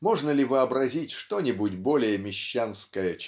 Можно ли вообразить что-нибудь более мещанское